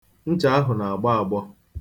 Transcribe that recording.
Ncha ahụ na-agbọ agbọ.